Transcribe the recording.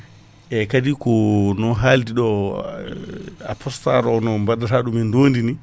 eyyi kaadi ko no haldi ɗoo Aprostar o no mbaddata ɗum e donndi ni